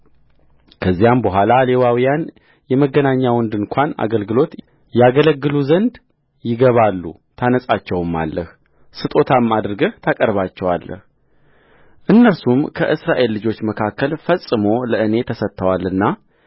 ከዚያም በኋላ ሌዋውያን የመገናኛውን ድንኳን አገልግሎት ያገለግሉ ዘንድ ይገባሉ ታነጻቸውማለህ ስጦታም አድርገህ ታቀርባቸዋለህእነርሱም ከእስራኤል ልጆች መካከል ፈጽሞ ለእኔ ተሰጥተዋልና